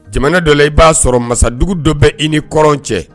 Jamana dɔ la i b'a sɔrɔ masadugu dɔ bɛ i ni kɔrɔn cɛ